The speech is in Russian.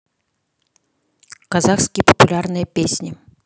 казахские популярные песни